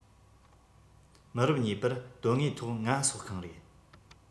མི རབས གཉིས པར དོན དངོས ཐོག ང སྲོག ཤིང རེད